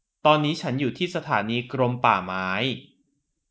ตอนนี้ฉันอยู่ที่สถานีกรมป่าไม้